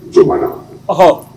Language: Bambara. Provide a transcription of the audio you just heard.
J ɔɔ